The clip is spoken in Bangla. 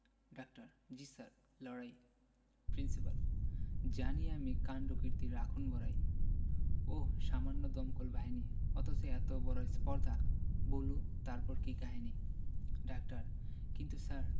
ডাক্তার জ্বী স্যার লড়াই প্রিন্সিপাল জানি আমি কাণ্ডকীর্তি রাখুন বড়াই ওহ্ সামান্য দমকল বাহিনী অথচ এত বড় স্পর্ধা বুলন তারপর কি কাহিনী ডাক্তার কিন্তু স্যার